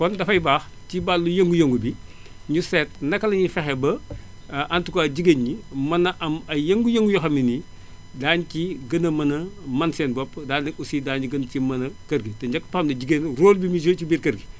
kon dafay baax ci wàllu yëngu-yëngu bi ñu seet naka lañuy fexee ba en tout cas jigéen ñi mën a am ay yëngu-yëngu yoo xam ne nii daañu ci gën a mën a mën seen bopp daal di aussi daal gën ci mën a kër gi te ñépp xam nañu jigéen rôle bu muy joué ci kër gi